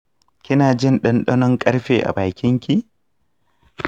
kina jin ɗanɗano ƙarfe a bakin ki?